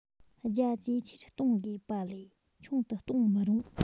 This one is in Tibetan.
རྒྱ ཇེ ཆེར གཏོང དགོས པ ལས ཆུང དུ གཏོང མི རུང